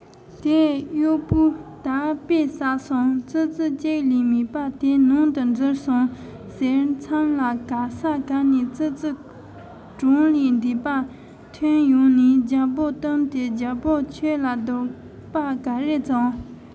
དེར གཡོག པོས ད དཔེ བསགས སོང ཙི ཙི གཅིག ལས མེད པ དེ ནང དུ འཛུལ སོང ཟེར མཚམས ལ ག ས ག ནས ཙི ཙི གྲངས ལས འདས པ ཐོན ཡོང ནས རྒྱལ པོ བཏུམས ཏེ རྒྱལ པོ ཁྱེད ལ སྡུག པ ག རེ བྱུང